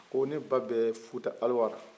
ko ne ba be futa-aliwari